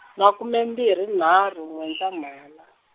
makume mbirhi nharhu N'wendzamhala.